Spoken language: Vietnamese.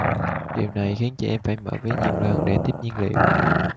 điều này khiến chị em phải mở ví nhiều lần để tiếp nhiên liệu